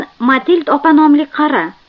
matild opa nomli qari